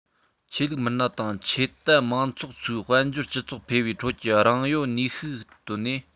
ཆོས ལུགས མི སྣ དང ཆོས དད དམངས ཚོགས ཚོའི དཔལ འབྱོར སྤྱི ཚོགས འཕེལ བའི ཁྲོད ཀྱི རང ཡོད ནུས ཤུགས བཏོན ནས